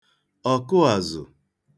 ọ̀kụ àzụ̀